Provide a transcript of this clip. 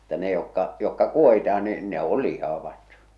mutta ne jotka jotka kuohitaan niin ne on lihavat